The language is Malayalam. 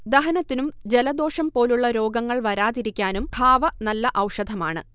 ദഹനത്തിനും ജലദോഷം പോലുള്ള രോഗങ്ങൾ വരാതിരിക്കാനും ഖാവ നല്ല ഔഷധമാണ്